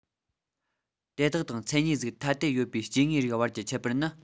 དེ དག དང མཚན གཉིས གཟུགས ཐ དད ཡོད པའི སྐྱེ དངོས རིགས བར གྱི ཁྱད པར ནི